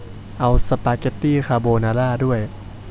เอาสปาเก็ตตี้คาโบนาร่าด้วย